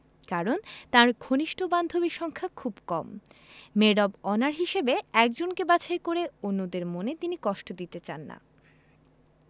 কারণ তাঁর ঘনিষ্ঠ বান্ধবীর সংখ্যা খুব কম মেড অব অনার হিসেবে একজনকে বাছাই করে অন্যদের মনে তিনি কষ্ট দিতে চান না